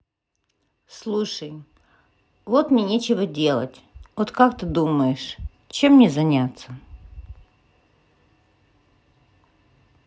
слушай вот мне нечего делать вот как ты думаешь чем мне заняться